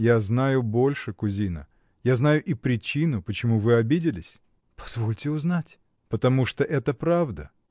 — Я знаю больше, кузина: я знаю и причину, почему вы обиделись. — Позвольте узнать. — Потому, что это правда.